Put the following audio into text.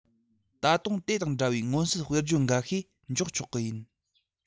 ད དུང དེ དང འདྲ བའི མངོན གསལ དཔེར བརྗོད འགའ ཤས འཇོག ཆོག གི ཡིན